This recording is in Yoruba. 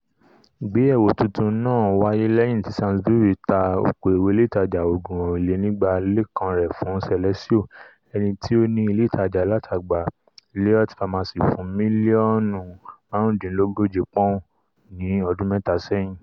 ìgbeyẹwò tuntun náà ́wáyé lẹ́yìn ti Sainsbury's ta oko-òwò ílé-ìtajà òògùn ọrìnlénigba lé kan rẹ̀ fún Celesio, ẹnití ó ni ilé ìtajà alátagbà Lloyds Pharmacy, fún miliọnu máàrúndínlọ́gojè pọ́ùn, ni ọ́dún mẹ́ta sẹ́yìn.